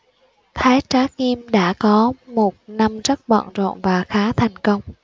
thái trác nghiêm đã có một năm rất bận rộn và khá thành công